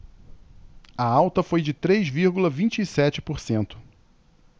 a alta foi de três vírgula vinte e sete por cento